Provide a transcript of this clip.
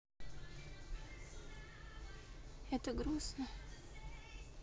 это грустно